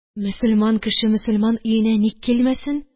Мөселман кеше мөселман өенә ник килмәсен